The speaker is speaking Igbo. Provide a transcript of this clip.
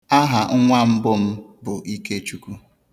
Aha nwa mbụ m bụ Ikechukwu.